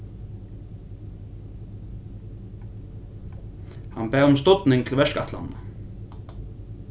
hann bað um studning til verkætlanina